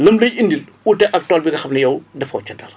mën nga indil ute ak tool bi nga xam ni yow defoo ca dara